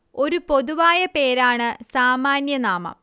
ഒരു പൊതുവായ പേരാണ് സാമാന്യ നാമം